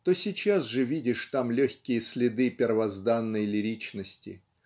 то сейчас же видишь там легкие следы первозданной лиричности.